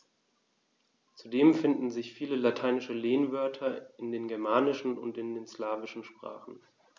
Zudem finden sich viele lateinische Lehnwörter in den germanischen und den slawischen Sprachen.